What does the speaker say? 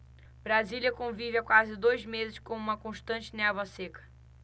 brasília convive há quase dois meses com uma constante névoa seca